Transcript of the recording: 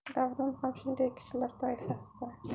davron ham shunday kishilar toifasidan